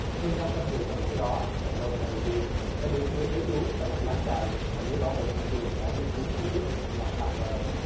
hơn năm trăm người trong số đó phần đông là người việt sẽ được đưa tới trú tại một lán trại mà giới bảo vệ nhân quyền đã lên tiếng chỉ trích là tạm bợ